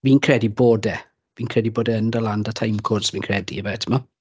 Fi'n credu bod e, fi'n credu bod e yn dod lan 'da timecodes fi'n credu ife, timod.